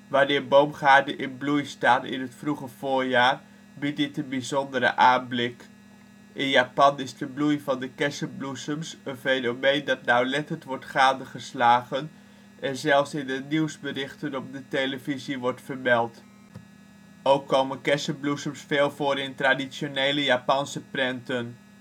Wanneer boomgaarden in bloei staan in het vroege voorjaar, biedt dit een bijzondere aanblik. In Japan is de bloei van de kersenbloesems een fenomeen dat nauwlettend wordt gadegeslagen en zelfs in de nieuwsberichten op de televisie wordt vermeld. Ook komen kersenbloesems veel voor in traditionele Japanse prenten